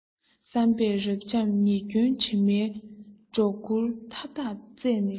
བསམ པས རབ འབྱམས ཉེས སྐྱོན དྲི མའི སྒྲོ སྐུར མཐའ དག རྩད ནས བཞུས